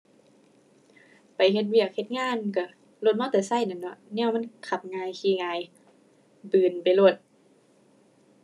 ไปเฮ็ดเวียกเฮ็ดงานก็รถมอเตอร์ไซค์นั้นเนาะ แนวมันขับง่าย ขี่ง่าย ไปโลด